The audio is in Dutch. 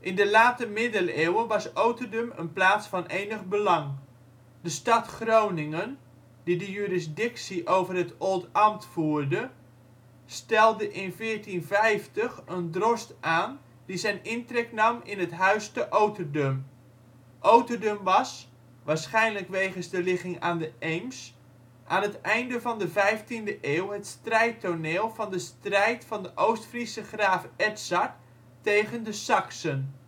de late middeleeuwen was Oterdum een plaats van enig belang. De stad Groningen, die de jurisdictie over het Oldambt voerde, stelde in 1450 een drost aan die zijn intrek nam in het Huis te Oterdum. Oterdum was, waarschijnlijk wegens de ligging aan de Eems, aan het einde van de vijftiende eeuw het strijdtoneel van de strijd van de Oost-Friese graaf Edzard tegen de Saksen